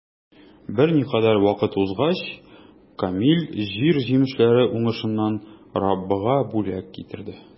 Берникадәр вакыт узгач, Кабил җир җимешләре уңышыннан Раббыга бүләк китерде.